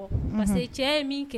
Mase cɛ ye min kɛ